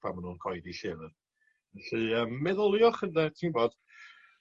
pan ma' nw'n coeddi llyfr. Felly yym meddyliwch ynde ti'n bod.